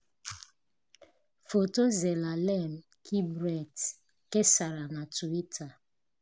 Foto Zelalem Kiberet kesara na Twitter.